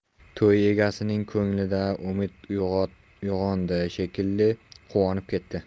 to'y egasining ko'nglida umid uyg'ondi shekilli quvonib ketdi